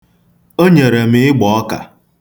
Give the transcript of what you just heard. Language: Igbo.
O nyere m ịgbọọka.